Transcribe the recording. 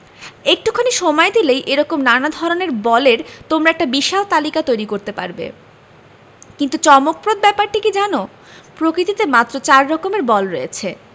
একটুখানি সময় দিলেই এ রকম নানা ধরনের বলের তোমরা একটা বিশাল তালিকা তৈরি করতে পারবে কিন্তু চমকপ্রদ ব্যাপারটি কী জানো প্রকৃতিতে মাত্র চার রকমের বল রয়েছে